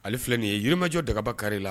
Ale filɛ nin ye yirimajɔ dagaba kari la